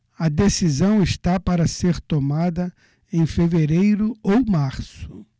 a decisão está para ser tomada em fevereiro ou março